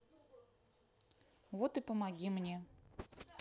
вот и помоги мне